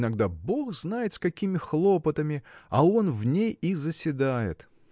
иногда бог знает с какими хлопотами а он в ней и заседает.